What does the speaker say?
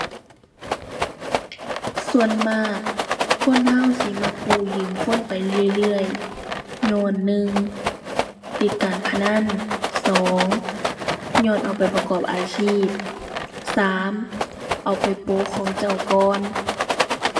ส่วนมากคนเราสิมักกู้ยืมคนไปเรื่อยเรื่อยญ้อนหนึ่งติดการพนัน สองญ้อนเอาไปประกอบอาชีพ สามเอาไปโปะของเจ้าก่อน